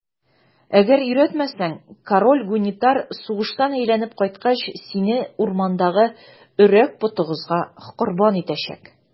Әгәр өйрәтмәсәң, король Гунитар сугыштан әйләнеп кайткач, сине урмандагы Өрәк потыгызга корбан итәчәк.